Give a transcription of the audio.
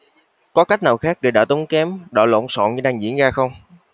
có cách nào khác để đỡ tốn kém đỡ lộn xộn như đang diễn ra không